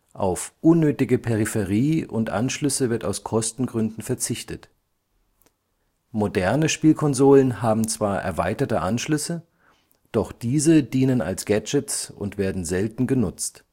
Auf unnötige Peripherie und Anschlüsse wird aus Kostengründen verzichtet. Moderne Spielkonsolen haben zwar erweiterte Anschlüsse, doch diese dienen als Gadgets und werden selten genutzt